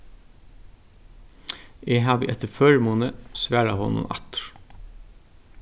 eg havi eftir førimuni svarað honum aftur